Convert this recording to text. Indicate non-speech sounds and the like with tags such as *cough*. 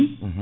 *hesitation* *hesitation*